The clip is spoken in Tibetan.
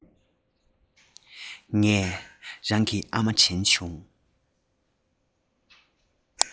ངས རང གི ཨ མ དྲན བྱུང